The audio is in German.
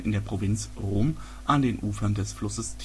der Provinz Rom an den Ufern des Flusses